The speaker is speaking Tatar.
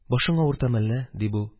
Башың авыртамы әллә? – ди бу